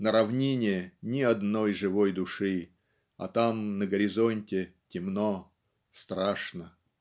на равнине ни одной живой души, а там на горизонте темно, страшно".